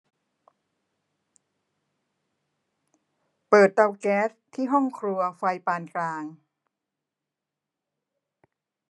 เปิดเตาแก๊สที่ห้องครัวไฟปานกลาง